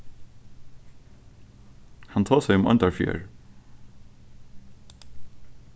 hann tosaði um oyndarfjørð